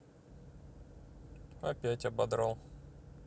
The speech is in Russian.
опять ободрал